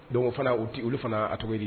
Don o fana olu fana a cogodi di